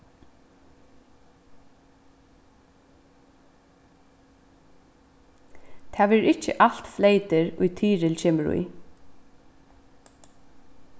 tað verður ikki alt fleytir ið tyril kemur í